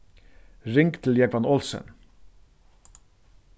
ring til jógvan olsen